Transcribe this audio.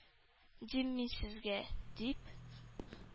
Дим мин сезгә?..- дип,